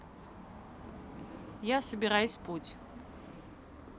я собираюсь в путь